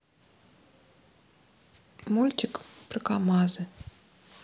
мультик про камазы